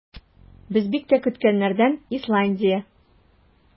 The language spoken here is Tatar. Без бик тә көткәннәрдән - Исландия.